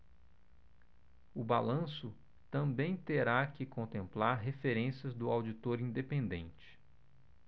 o balanço também terá que contemplar referências do auditor independente